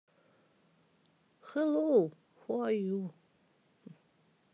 хеллоу хау а ю